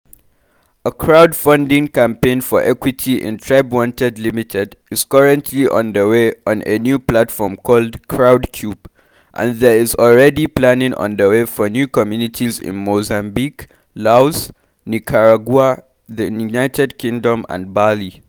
A crowd-funding campaign for equity in TribeWanted Ltd is currently underway on a new platform called Crowdcube, and there is already planning underway for new communities in Mozambique, Laos, Nicaragua, the United Kingdom and Bali.